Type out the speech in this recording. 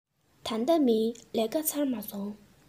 ད ལྟ མིན ལས ཀ ཚར མ སོང